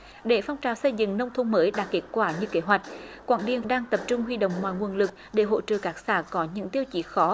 để phong trào xây dựng nông thôn mới đạt kết quả như kế hoạch quảng điền đang tập trung huy động mọi nguồn lực để hỗ trợ các xã có những tiêu chí khó